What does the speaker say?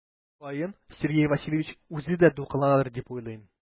Мөгаен Сергей Васильевич үзе дә дулкынланадыр дип уйлыйм.